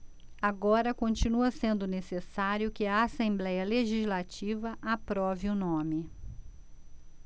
agora continua sendo necessário que a assembléia legislativa aprove o nome